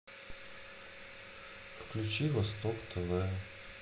включи восток тв